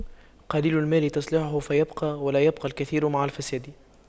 قليل المال تصلحه فيبقى ولا يبقى الكثير مع الفساد